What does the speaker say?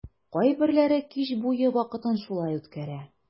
Кайберләре кич буе вакытын шулай үткәрә.